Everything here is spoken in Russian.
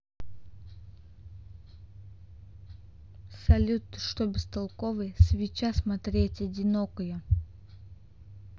салют ты что бестолковый свеча смотреть одинокая